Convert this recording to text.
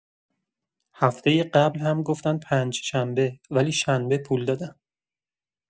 هفته قبل هم گفتن پنجشنبه، ولی شنبه پول دادن.